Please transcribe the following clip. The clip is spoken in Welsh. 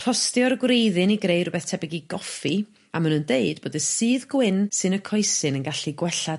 rhostio'r gwreiddyn i greu rwbeth tebyg i goffi a ma' nw'n deud bod y sudd gwyn sy yn y coesyn yn gallu gwella